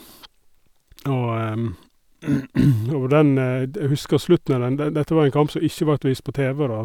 og Og den d jeg husker slutten av den, de dette var en kamp som ikke vart vist på TV, da.